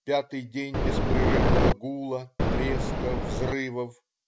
Пятый день беспрерывного гула, треска, взрывов.